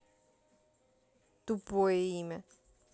тупое имя